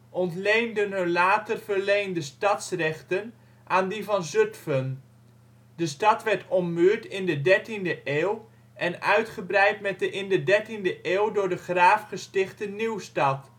ontleenden hun later verleende stadsrechten aan die van Zutphen. De stad werd ommuurd in de 13e eeuw en uitgebreid met de in de 13e eeuw door de graaf gestichte Nieuwstad